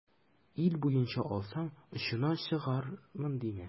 Ил буенча алсаң, очына чыгармын димә.